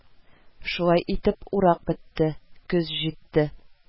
Шулай итеп, урак бетте, көз җитте